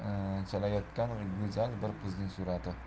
go'zal bir qizning surati